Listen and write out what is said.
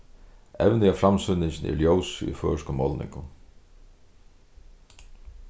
evnið á framsýningini er ljósið í føroyskum málningum